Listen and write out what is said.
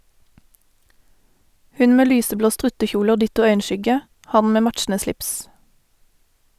Hun med lyseblå struttekjole og ditto øyenskygge, han med matchende slips.